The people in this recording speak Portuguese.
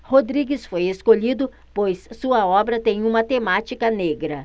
rodrigues foi escolhido pois sua obra tem uma temática negra